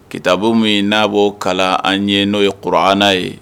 Kitabo min n'a bɔ kalan an ye n'o ye kɔrɔ an n'a ye